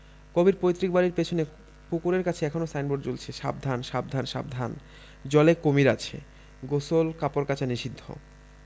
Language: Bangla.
কবির পৈতৃক বাড়ির পেছনে পুকুরের কাছে এখনো সাইনবোর্ড ঝুলছে সাবধান সাবধান সাবধান জলে কুমীর আছে গোসল কাপড় কাচা নিষিদ্ধ